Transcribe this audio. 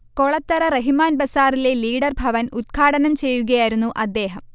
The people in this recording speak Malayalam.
കൊളത്തറ റഹിമാൻ ബസാറിലെ ലീഡർ ഭവൻ ഉദ്ഘാടനം ചെയ്യുകയായിരുന്നു അദ്ദേഹം